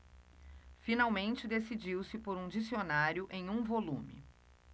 finalmente decidiu-se por um dicionário em um volume